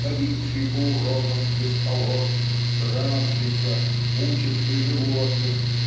ходивший по урокам без калош дравшийся мучивший животных